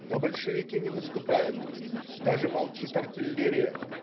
Но большевики не наступают, даже молчит артиллерия.